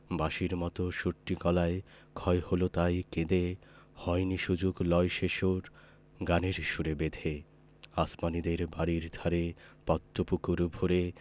বাঁশির মতো সুরটি গলায় ক্ষয় হল তাই কেঁদে হয়নি সুযোগ লয় সে সুর গানের সুরে বেঁধে আসমানীদের বাড়ির ধারে পদ্ম পুকুর ভরে